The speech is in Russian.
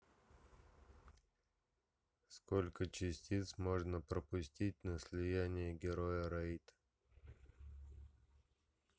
сколько частиц можно пропустить на слияние героя рейд